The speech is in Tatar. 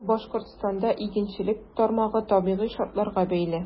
Башкортстанда игенчелек тармагы табигый шартларга бәйле.